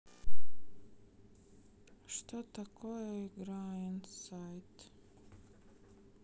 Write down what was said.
что такое игра inside